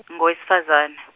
ngowesifaza-.